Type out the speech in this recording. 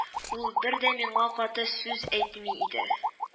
Ул бер дә миңа каты сүз әйтми иде